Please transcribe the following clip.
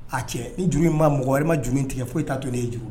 A cɛ ni juru ma mɔgɔ wɛrɛ ma juru tigɛ foyi i taa to ne e ye juru